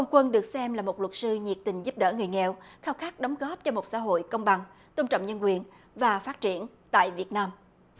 ông quân được xem là một luật sư nhiệt tình giúp đỡ người nghèo khao khát đóng góp cho một xã hội công bằng tôn trọng nhân quyền và phát triển tại việt nam